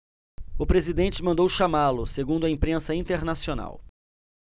o presidente mandou chamá-lo segundo a imprensa internacional